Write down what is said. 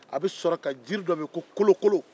a bɛ sɔrɔ ka jiri dɔ bɛ yen ko kolokolo